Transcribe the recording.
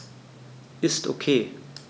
Ist OK.